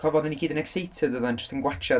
Cofio oeddan ni gyd yn excited doedden jyst yn gwatsiad...